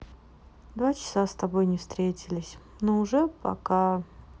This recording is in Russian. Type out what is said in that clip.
два часа с тобой не встретились но уже пока